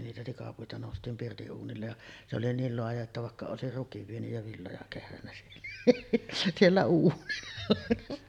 niitä tikapuita noustiin pirtin uunille ja se oli niin laaja että vaikka olisi rukin vienyt ja villoja kehrännyt siellä siellä uunilla